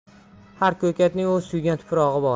har ko'katning o'z suygan tuprog'i bor